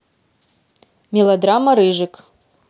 мелодрама рыжик